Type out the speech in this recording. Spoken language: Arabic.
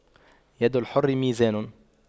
يد الحر ميزان